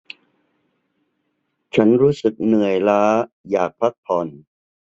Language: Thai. ฉันรู้สึกเหนื่อยล้าอยากพักผ่อน